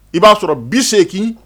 I b'a sɔrɔ bi segin